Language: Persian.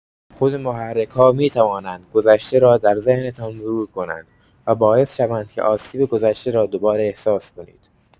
خود محرک‌ها می‌توانند گذشته را در ذهنتان مرور کنند و باعث شوند که آسیب گذشته را دوباره احساس کنید.